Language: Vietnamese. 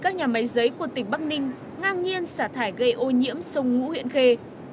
các nhà máy giấy của tỉnh bắc ninh ngang nhiên xả thải gây ô nhiễm sông ngũ huyện khê